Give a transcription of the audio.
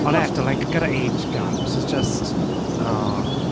Ond eto like gyda age gaps, it's just, oh.